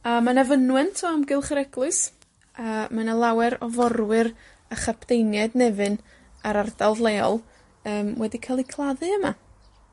A ma' 'na fynwent o amgylch yr eglwys, a ma' 'na lawer o forwyr a chapteiniaid Nefyn, a'r ardal leol, yym, wedi ca'l 'u claddu yma.